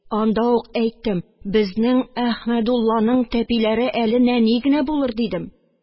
Анда ук әйттем, безнең Әхмәдулланың тәпиләре әле нәни генә булыр, дидем.